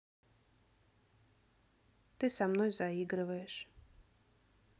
ты со мной заигрываешь